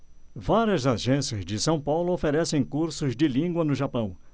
várias agências de são paulo oferecem cursos de língua no japão